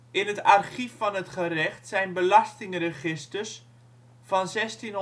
In het archief van het gerecht zijn belastingregisters van 1678